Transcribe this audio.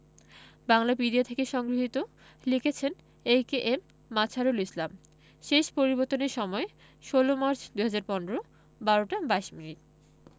বাংলাপিডিয়া থেকে সংগৃহীত লিখেছেনঃ এ.কে.এম মাযহারুল ইসলাম শেষ পরিবর্তনের সময় ১৬ মার্চ ২০১৫ ১২টা ২২ মিনিট